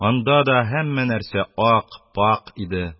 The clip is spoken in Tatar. Анда да һәммә нәрсә ак, пакь иде.